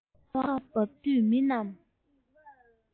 ཁ བ འབབ དུས མི རྣམས